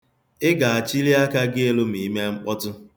Ị ga-achịli aka elu ma i mee mkpọtụ.